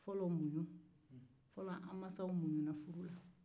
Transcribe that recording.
fɔlɔmuɲu fɔlɔ an masaw muɲuna furu la